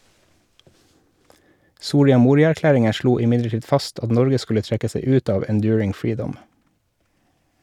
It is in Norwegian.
Soria Moria-erklæringen slo imidlertid fast at Norge skulle trekke seg ut av Enduring Freedom.